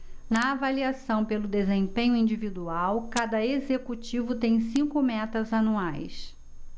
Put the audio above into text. na avaliação pelo desempenho individual cada executivo tem cinco metas anuais